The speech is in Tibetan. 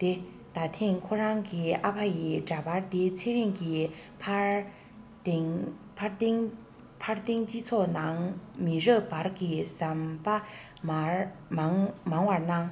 ཏེ ད ཐེངས ཁོ རང གི ཨ ཕ ཡི འདྲ པར དེ ཚེ རིང གི ཕར དེང སྤྱི ཚོགས ནང མི རབས བར གྱི ཟམ པ མང བར སྣང